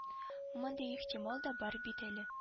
Мондый их тимал да бар бит әле